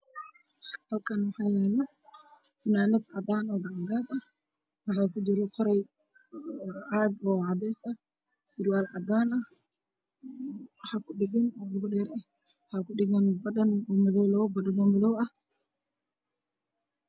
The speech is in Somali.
Halkaan waxaa yaalo fanaanad cadaan ah oo gacmo gaab ah waxaa kujiro caag cadeys ah iyo surwaal cadaan ah waxaa kudhagan labo badhan oo madow ah.